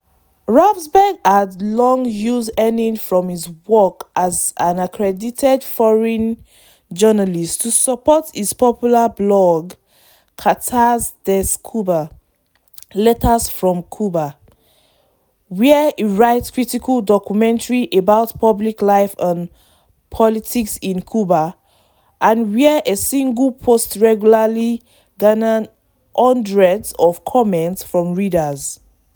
Ravsberg had long used earnings from his work as an accredited foreign journalist to support his popular blog “Cartas desde Cuba” (Letters from Cuba), where he writes critical commentary about public life and politics in Cuba, and where a single post regularly garners hundreds of comments from readers.